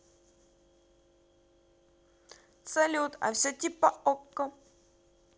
салют а все типа okko